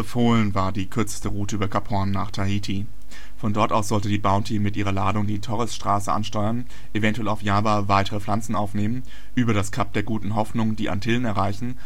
war die kürzeste Route über Kap Hoorn nach Tahiti. Von dort aus sollte die Bounty mit ihrer Ladung die Torres-Straße ansteuern, eventuell auf Java weitere Pflanzen aufnehmen, über das Kap der Guten Hoffnung die Antillen erreichen